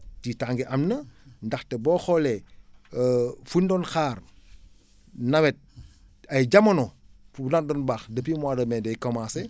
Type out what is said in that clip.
tiitaange am na ndaxte boo xoolee fu ñu doon xaar nawet ay jamono fu mu daan doon baax depuis mois de mai day commencé